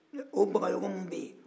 o bagayɔgɔ minnu bɛ yen